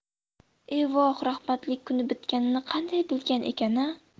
e voh rahmatlik kuni bitganini qanday bilgan ekan a